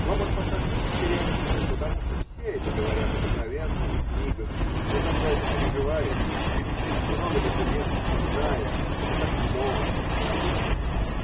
Вам он покажется стереотипным, потому что все это говорят обыкновенно и в книгах, но когда это переживаешь или через много даже лет вспоминаешь, это так ново и необычно.